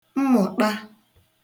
mmụ̀ṭa